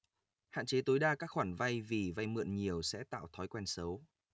hạn chế tối đa các khoản vay vì vay mượn nhiều sẽ tạo thói quen xấu